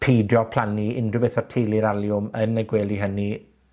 peidio plannu unryw beth o teulu'r aliwm yn y gwely hynny